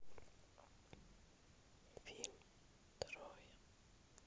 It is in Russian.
фильм троя